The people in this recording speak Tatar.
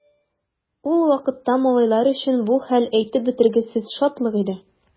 Ул вакытта малайлар өчен бу хәл әйтеп бетергесез шатлык иде.